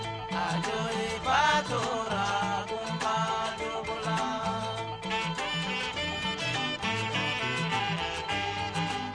Maa ba faturakuntangolo wula tɛ laban